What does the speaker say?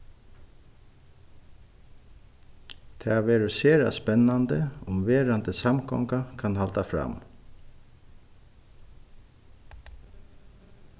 tað verður sera spennandi um verandi samgonga kann halda fram